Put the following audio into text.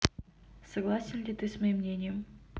согласен ли ты с моим мнением